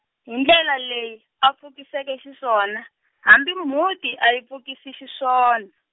hi ndlela leyi, a pfukiseke xiswona, hambi mhunti a yi pfukisi xiswona.